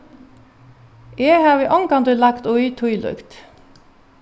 eg havi ongantíð lagt í tílíkt